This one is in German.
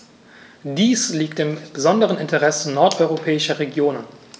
Dies liegt im besonderen Interesse nordeuropäischer Regionen.